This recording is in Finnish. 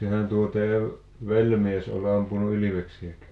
sehän tuo teidän velimies oli ampunut ilveksiäkin